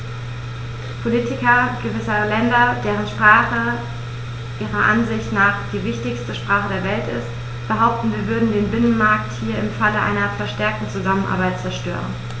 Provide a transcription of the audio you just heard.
Politiker gewisser Länder, deren Sprache ihrer Ansicht nach die wichtigste Sprache der Welt ist, behaupten, wir würden den Binnenmarkt hier im Falle einer verstärkten Zusammenarbeit zerstören.